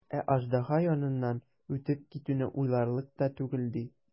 Ә аждаһа яныннан үтеп китүне уйларлык та түгел, ди.